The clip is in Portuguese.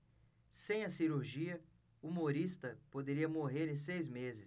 sem a cirurgia humorista poderia morrer em seis meses